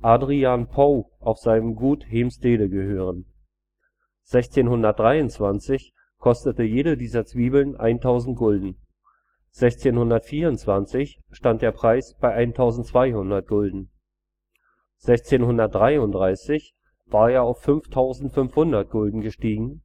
Adriaan Pauw auf seinem Gut Heemstede gehören. 1623 kostete jede dieser Zwiebeln 1.000 Gulden, 1624 stand der Preis bei 1.200 Gulden, 1633 war er auf 5.500 Gulden gestiegen